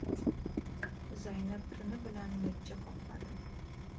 zaynab tuni bilan mijja qoqmadi